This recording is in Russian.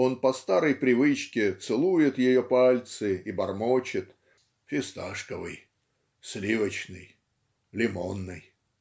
он по старой привычке целует ее пальцы и бормочет "фисташковый. сливочный. лимонный.